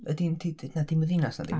ydy hi'n di-... na di'm yn ddinas nadi?